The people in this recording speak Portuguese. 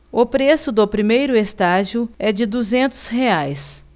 o preço do primeiro estágio é de duzentos reais